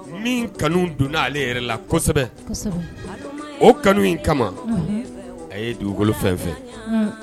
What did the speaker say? Min kanu donna ale yɛrɛ la kosɛbɛ o kanu in kama a ye dugukolo fɛn fɛ